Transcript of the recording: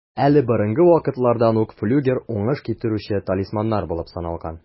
Әле борынгы вакытлардан ук флюгер уңыш китерүче талисманнар булып саналган.